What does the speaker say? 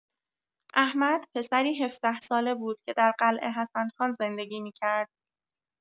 احمد پسری ۱۷ ساله بود که در قلعه حسن خان زندگی می‌کرد.